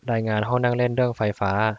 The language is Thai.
รายงานห้องนั่งเล่นเรื่องไฟฟ้า